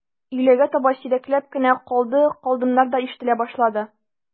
Өйләгә таба сирәкләп кенә «калды», «калдым»нар да ишетелә башлады.